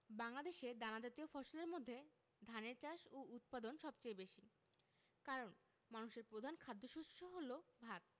বাংলাদেশে দানাজাতীয় ফসলের মধ্যে ধানের চাষ ও উৎপাদন সবচেয়ে বেশি কারন মানুষের প্রধান খাদ্যশস্য হলো ভাত